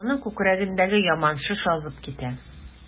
Аның күкрәгендәге яман шеш азып китә.